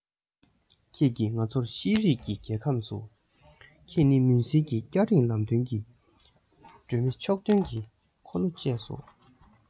ཁྱེད ཀྱིས ང ཚོར ཤེས རིག གི རྒྱལ ཁམས སུ ཁྱེད ནི མུན སེལ གྱི སྐྱ རེངས ལམ སྟོན གྱི སྒྲོན མེ ཕྱོགས སྟོན གྱི འཁོར ལོ བཅས སོ